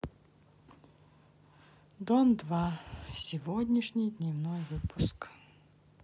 дом два сегодняшний дневной выпуск